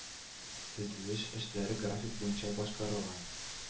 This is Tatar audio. Төзелеш эшләре график буенча башкарыла